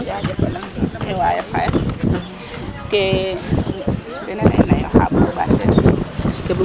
jajafalang no teewaayof xaye ke wene layna xa bugo ɓaat teen?